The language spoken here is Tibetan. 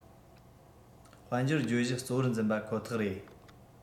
དཔལ འབྱོར བརྗོད གཞི གཙོ བོར འཛིན པ ཁོ ཐག རེད